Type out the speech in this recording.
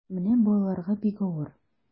Менә балаларга бик авыр.